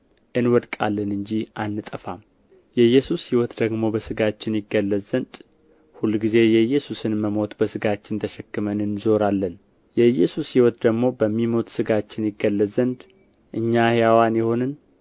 እንወድቃለን እንጂ አንጠፋም የኢየሱስ ሕይወት ደግሞ በሥጋችን ይገለጥ ዘንድ ሁልጊዜ የኢየሱስን መሞት በሥጋችን ተሸክመን እንዞራለን የኢየሱስ ሕይወት ደግሞ በሚሞት ሥጋችን ይገለጥ ዘንድ እኛ ሕያዋን የሆንን